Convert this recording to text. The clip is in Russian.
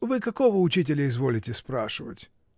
— Вы какого учителя изволите спрашивать?